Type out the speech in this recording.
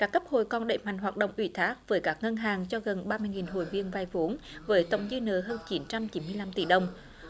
các cấp hội cần đẩy mạnh hoạt động ủy thác với các ngân hàng cho gần ba mươi nghìn hội viên vay vốn với tổng dư nợ hơn chín trăm chín mươi lăm tỷ đồng